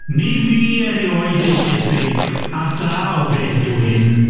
Ni fu erioed ei debyg, a da o beth yw hyn.